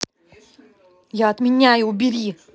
я отменяю убери